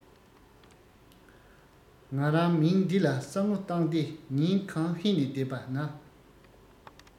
ང རང མིང འདི ལ བསམ བློ བཏང སྟེ ཉིན གང ཧད ནས བསྡད པ ན